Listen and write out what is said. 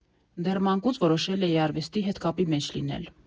Դեռ մանկուց որոշել էի արվեստի հետ կապի մեջ լինել։